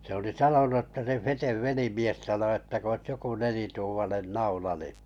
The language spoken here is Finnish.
se oli sanonut jotta se Feten velimies sanoi että kun olisi joku nelituumainen naula niin